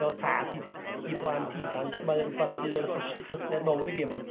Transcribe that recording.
fel tad i i blant ifanc mae o r'wbath sydd yn achosi pryder mawr i fi am bod